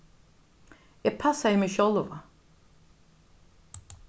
eg passaði meg sjálva